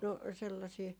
no sellaisia